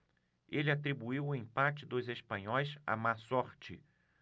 ele atribuiu o empate dos espanhóis à má sorte